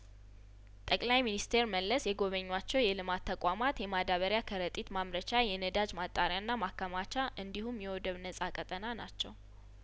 ጠቅላይ ሚኒስቴር መለስ የጐበኙዋቸው የልማት ተቋማት የማዳበሪያ ከረጢት ማምረቻ የነዳጅ ማጣሪያና ማከማቻ እንዲሁም የወደብ ነጻ ቀጣና ናቸው